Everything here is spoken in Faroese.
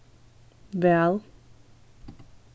væl